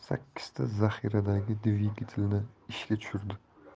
sakkizta zaxiradagi dvigatelini ishga tushirdi